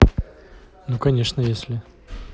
ну конечно если